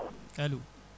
alo